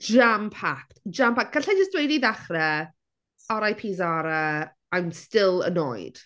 Jam-packed jam-packed. Galla i jyst dweud i ddechrau RIP Zara I'm still annoyed.